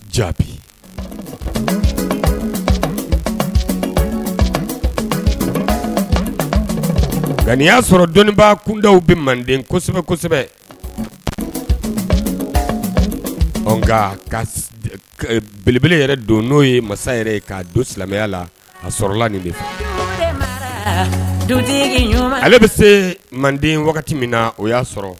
Jaabi nkai y'a sɔrɔ dɔnniinba kunda bɛ mande kosɛbɛ kosɛbɛ nka belebele yɛrɛ don n'o ye masa yɛrɛ ye ka don silamɛya la a sɔrɔ nin de ale bɛ se manden wagati min na o y'a sɔrɔ